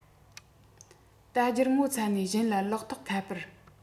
ལྟ རྒྱུར ངོ ཚ ནས གཞན ལ ལག ཐོགས ཁ པར